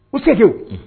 U tɛ